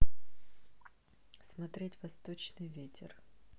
смотреть восточный ветер